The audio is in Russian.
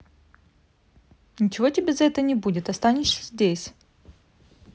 нечего тебе за это не будет останешься здесь